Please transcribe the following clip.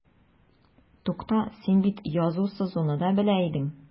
Тукта, син бит язу-сызуны да белә идең.